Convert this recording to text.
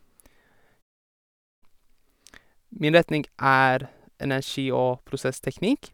Min retning er energi- og prosessteknikk.